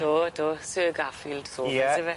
Do do Sir Garfield Sobers... Ie. ...on'd yw e?